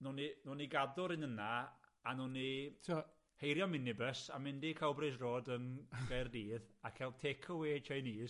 newn ni newn ni gadw'r un yna, a newn ni... Timod... ...heirio minibus a mynd i Cowbridge Road yn Gaerdydd, a ca'l takeaway Chinese